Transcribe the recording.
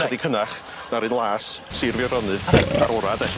Chydig hynach na'r un las Sir Feirionydd... O reit. ...a'r ora de?